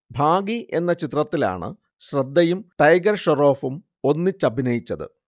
ഭാഗി എന്ന ചിത്രത്തിലാണ് ശ്രദ്ധയും ടൈഗർ ഷ്റോഫും ഒന്നിച്ചഭിനയിച്ചത്